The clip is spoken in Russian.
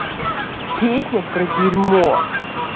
песня про дерьмо